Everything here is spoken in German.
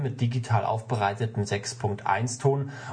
digital aufbereitetem 6.1-Ton